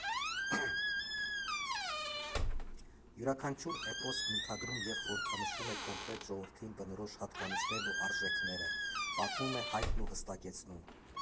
Յուրաքանչյուր էպոս բնութագրում և խորհրդանշում է կոնկրետ ժողովրդին բնորոշ հատկանիշներն ու արժեքները, պատմում է Հայկն ու հստակեցնում.